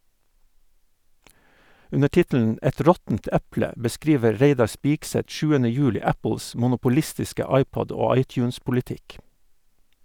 Under tittelen "Et råttent eple" beskriver Reidar Spigseth 7. juli Apples monopolistiske iPod- og iTunes-politikk.